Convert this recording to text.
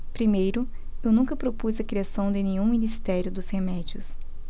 primeiro eu nunca propus a criação de nenhum ministério dos remédios